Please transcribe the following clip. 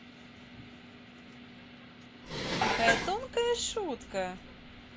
какая тонкая шутка